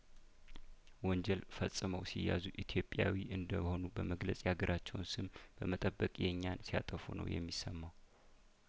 ወንጀል ፈጽመው ሲያዙ ኢትዮጵያዊ እንደሆኑ በመግለጽ ያገ ራቸውን ስም በመጠበቅ የእኛን ሲያጠፉ ነው የሚሰማው